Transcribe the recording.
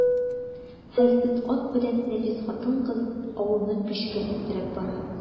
Хәлсез ат белән нәфис хатын-кыз авылны көчкә өстерәп бара.